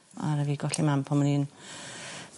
Aru fi golli mam pam o'n i'n